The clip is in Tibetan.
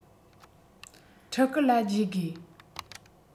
ཕྲུ གུར ལ བརྗེ དགོས